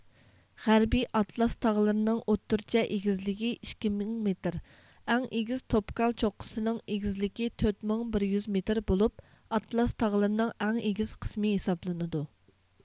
غەربىي ئاتلاس تاغلىرىنىڭ ئوتتۇرىچە ئېگىزلىكى ئىككى مىڭ مېتر ئەڭ ئېگىز توبكال چوققىسىنىڭ ئېگىزلىكى تۆت مىڭ بىر يۈز مېتر بولۇپ ئاتلاس تاغلىرىنىڭ ئەڭ ئېگىز قىسمى ھېسابلىنىدۇ